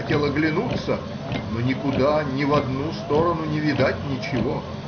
хотел оглянуться, но никуда, ни в одну сторону не видать ничего